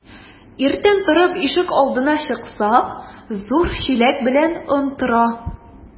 Иртән торып ишек алдына чыксак, зур чиләк белән он тора.